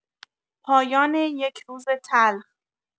پایان یک روز تلخ